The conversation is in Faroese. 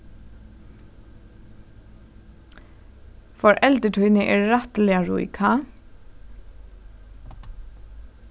foreldur tíni eru rættiliga rík ha